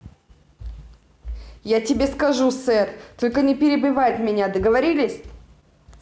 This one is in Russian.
я тебе скажу сет только не перебивать меня договорились